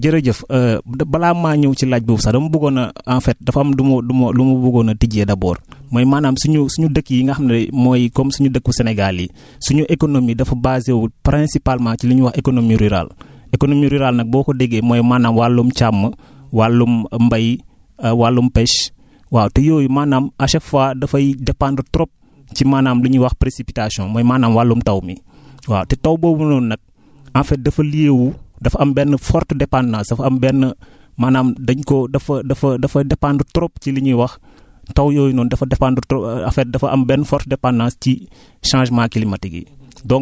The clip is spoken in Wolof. waa jërëjëf balaa maa ñëw ci laaj boobu sax dama bëggoon a en fait dafa am lu ma lu ma lu ma bëggoon a tijjee d' abord mooy maanaam suñu suñu dëkk yi nga xam ne mooy comme suñu dëkku Sénégal yi suñu économie dafa baser wu principalement ci li ñuy wax économie rurale économie rurale nag boo ko déggee mooy maanaam wàllum càmm wàllum mbay wàllum pêche waaw te yooyu maanaam à chaque fois dafay dépendre trop ci maanaam lu ñuy wax précipitation mooy maanaam wàllum taw mi waaw te taw boobu noonu nag en fait dafa lier wu dafa am benn forte dépendance dafa am benn maanaam dañ koo dafa dafa dafa dépendre trop ci li ñuy wax taw yooyu noonu dafa dépendre tro en fait dafa am benn forte dépendance ci changement climatique yi